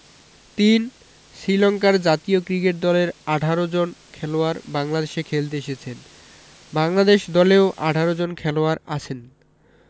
৩ শ্রীলংকার জাতীয় ক্রিকেট দলের ১৮ জন খেলোয়াড় বাংলাদেশে খেলতে এসেছেন বাংলাদেশ দলেও ১৮ জন খেলোয়াড় আছেন